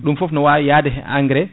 ɗum foof no wawi yaade e engrais